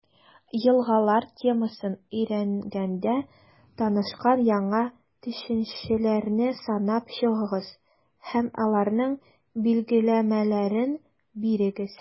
«елгалар» темасын өйрәнгәндә танышкан яңа төшенчәләрне санап чыгыгыз һәм аларның билгеләмәләрен бирегез.